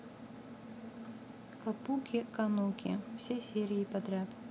капуки кануки все серии подряд